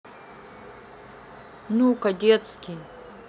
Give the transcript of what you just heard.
ну кадетский